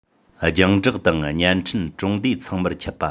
རྒྱང བསྒྲགས དང བརྙན འཕྲིན གྲོང སྡེ ཚང མར ཁྱབ པ